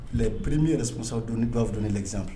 Les prémiers responsables vous donner l'exemple